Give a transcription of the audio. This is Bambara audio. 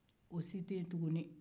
o si tɛ yen tuguni